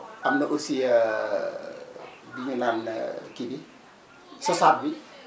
am na aussi bi ñu naan kii bi Sosaat bi